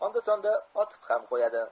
onda sonda otib ham qo'yadi